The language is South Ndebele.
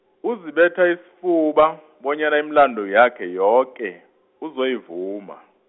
uzibetha isifuba, bonyana imilandu yakhe yoke, uzoyivuma.